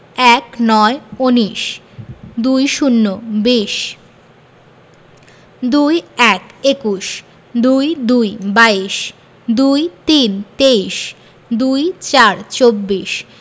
১৯ - উনিশ ২০ - বিশ ২১ – একুশ ২২ – বাইশ ২৩ – তেইশ ২৪ – চব্বিশ